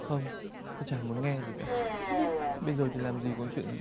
không tôi chả muốn nghe gì cả bây giờ thì làm gì còn chuyện